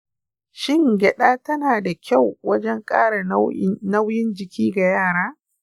shin gyada tana da kyau wajen ƙara nauyin jiki ga yara?